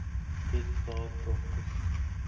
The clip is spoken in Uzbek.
kech soat to'qqiz